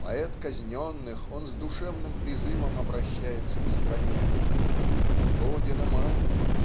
поэт казненных, он с душевным призывом обращается к стране Родина-мать!